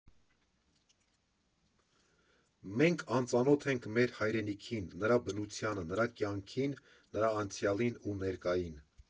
Մենք անծանոթ ենք մեր հայրենիքին, նրա բնությանը, նրա կյանքին, նրա անցյալին ու ներկային։